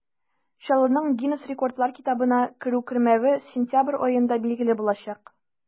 Чаллының Гиннес рекордлар китабына керү-кермәве сентябрь аенда билгеле булачак.